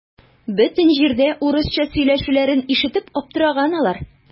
Бөтен җирдә урысча сөйләшүләрен ишетеп аптыраган алар.